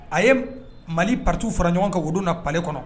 A ye mali patu fara ɲɔgɔn kan wu na pale kɔnɔ